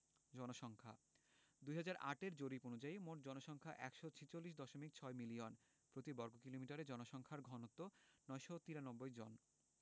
জনসংখ্যাঃ ২০০৮ এর জরিপ অনুযায়ী মোট জনসংখ্যা ১৪৬দশমিক ৬ মিলিয়ন প্রতি বর্গ কিলোমিটারে জনসংখ্যার ঘনত্ব ৯৯৩ জন